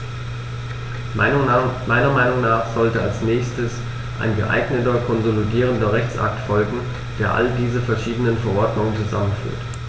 Meiner Meinung nach sollte als nächstes ein geeigneter konsolidierender Rechtsakt folgen, der all diese verschiedenen Verordnungen zusammenführt.